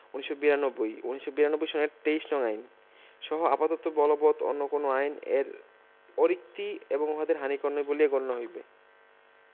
১৯৯২ ১৯৯২ সনের ২৩ নং আইন সহ আপাতত বলবৎ অন্য কোন আইন এর অরিক্তি এবংউহাদের হানিকর নয় বলিয়া গণ্য হইবে